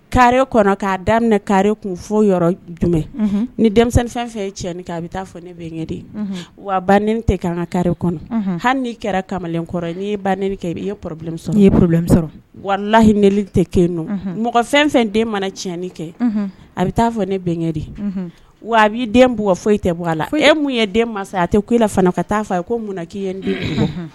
Ka kɔnɔa daminɛ ka kun fɔ yɔrɔ jumɛn ni fɛn fɛn ye tiɲɛnani a bɛ taa fɔ ne bɛnkɛden wa banen tɛ kɛ an ka karire kɔnɔ hali n'i kɛra kamalen kɔrɔ ye ba kɛ i i ye p sɔrɔ i ye p sɔrɔ walahien tɛ kɛ nɔ mɔgɔ fɛn fɛn den mana tiɲɛnni kɛ a bɛ taa fɔ ne bɛnkɛ de wa a b'i den b fɔ foyi i tɛ bɔ a la e mun ye den masa a tɛ i la ka taaa fɔ a ye mun k'i ye n den